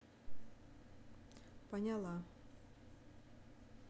поняла